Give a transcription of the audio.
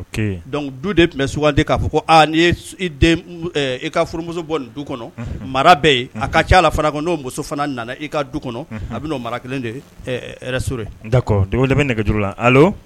Dɔnku du de tun bɛ sugan k'a fɔ n i ka furumuso bɔ nin du kɔnɔ mara bɛ yen a ka ca la fana kɔnɔ' muso fana nana i ka du kɔnɔ a bɛo mara kelen de de bɛ nɛgɛ juru la